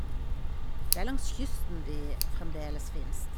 Det er langs kysten de fremdeles fins.